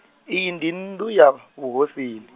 iyi ndi nnḓu ya, vhuhosini .